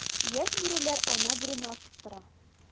Яшь бүреләр ана бүрене ашыктыра.